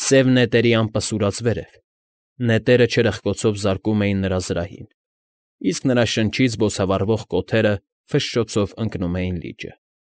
Սև նետերի ամպը սուրաց վերև, նետերը չրպկոցով զարկվում էին նրա զրահին, իսկ նրա շնչից բոցավառվող կոթերը ֆշշոցով ընկնում էին լիճը։